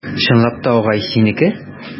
Чынлап та, агай, синеке?